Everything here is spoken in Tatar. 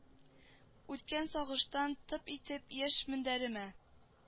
Үткән сагыштан тып итеп яшь мендәремә